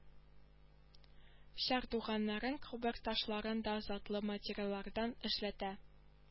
Чардуганнарын күбер ташларын да затлы материаллардан эшләтә